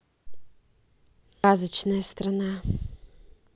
сказочная страна